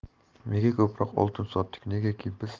nega ko'proq oltin sotdik negaki biz